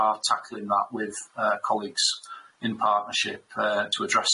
are tackling that with yy colleagues in partnership yy to address